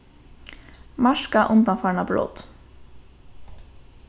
marka undanfarna brot